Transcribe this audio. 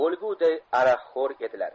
o'lguday aroqxo'r edilar